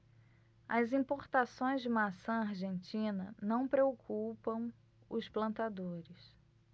as importações de maçã argentina não preocupam os plantadores